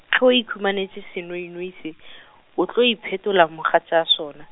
tlo e ikhumanetše senoinoi se, o tlo iphetola mogatša sona.